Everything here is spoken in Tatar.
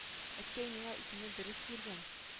Әткәй миңа исемне дөрес биргән